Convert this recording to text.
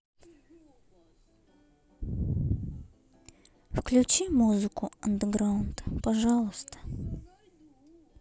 включи музыку андеграунд пожалуйста